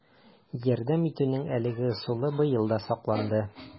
Ярдәм итүнең әлеге ысулы быел да сакланды: